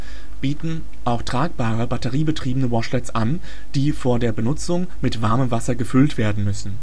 tragbare, batteriebetriebene Washlets an, die vor der Benutzung mit warmem Wasser gefüllt werden müssen